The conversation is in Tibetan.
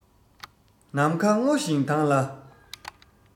ནམ མཁའ སྔོ ཞིང དྭངས ལ